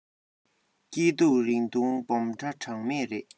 སྐྱིད སྡུག རིང ཐུང སྦོམ ཕྲ གྲངས མེད རེད